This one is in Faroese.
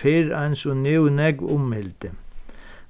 fyrr eins og nú nógv umhildið